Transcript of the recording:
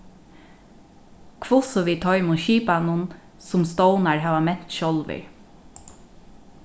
hvussu við teimum skipanum sum stovnar hava ment sjálvir